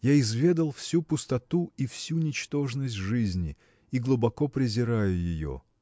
Я изведал всю пустоту и всю ничтожность жизни – и глубоко презираю ее.